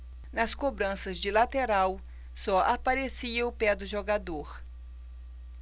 nas cobranças de lateral só aparecia o pé do jogador